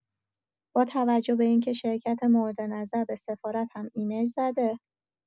با توجه به اینکه شرکت مورد نظر به سفارت هم ایمیل زده؟